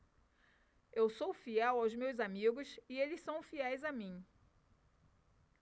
eu sou fiel aos meus amigos e eles são fiéis a mim